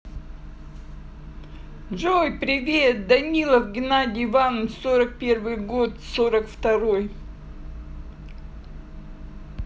джой привет данилов геннадий иванович сорок первый год сорок второй